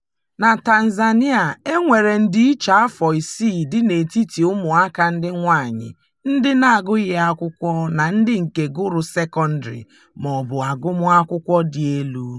Na Tanzania, e nwere ndịiche afọ 6 dị n'etiti ụmụaka ndị nwaanyị ndị na-agụghị akwụkwọ na ndị nke gụrụ sekọndịrị ma ọ bụ agụmakwụkwọ dị elu.